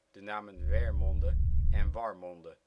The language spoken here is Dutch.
de namen Wermonde en Warmonde